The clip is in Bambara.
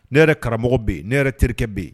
Ne yɛrɛ karamɔgɔ bɛ ne yɛrɛ terikɛ bɛ yen